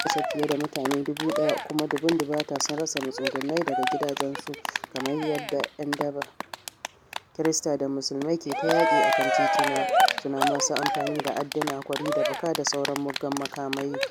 An kashe fiye da mutane 1,000 kuma dubun-dubata sun rasa matsugunai daga gidajensu kamar yadda ‘yan daba Kirista da Musulmai ke ta yaƙi a kan tituna, suna masu yin amfani da adduna, kwari da baka, da sauran muggan makamai.